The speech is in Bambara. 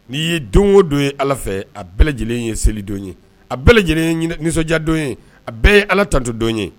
N' ye don o don ye ala fɛ a bɛɛ lajɛlen ye selidon ye a bɛɛ lajɛlen nisɔndiyadon ye a bɛɛ ye ala tanto don ye